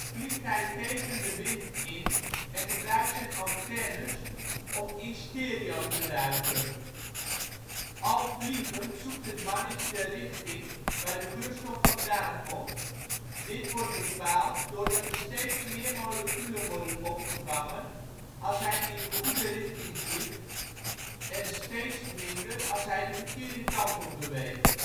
vliegt hij tegen de wind in en gebruikt zijn antennes om ' in stereo ' te ruiken. Al vliegend zoekt het mannetje de richting waar de geurstof vandaan komt, dit wordt bepaald doordat er steeds meer moleculen worden opgevangen als hij in de goede richting vliegt en steeds minder als hij de verkeerde kant op beweegt